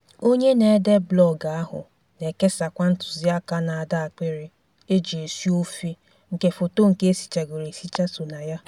Onye na-ede blọọgụ ahụ na-ekesakwa ntuziaka na-adọ akpirị eji esi ofe nke foto nke esichagoro esicha so na ya.